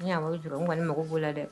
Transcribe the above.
Ni a b'o jɔrɔ n kɔni mago b'o la dɛ